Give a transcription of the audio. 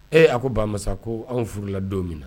Ee a ko Bamusa ko an furu la don min na!